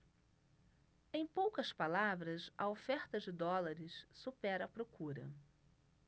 em poucas palavras a oferta de dólares supera a procura